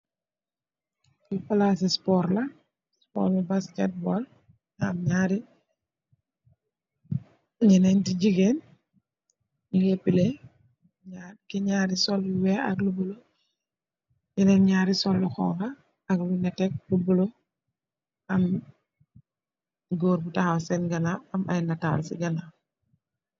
Fi palasi sport la sport bi basketball am nyenenti jigeen nyungi play ak nyarri sul lu wekh ak lu buluh yenen nyarr yi sul lu xhong khu ak ku netteh ku buluh am goor bu takhaw sen ganaw am aye netal si ganaw